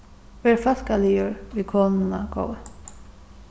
ver fólkaligur við konuna góði